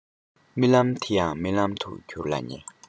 རྨི ལམ དེ ཡང རྨི ལམ དུ འགྱུར ལ ཉེ